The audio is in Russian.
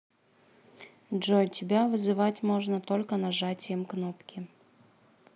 джой тебя вызывать можно только нажатием кнопки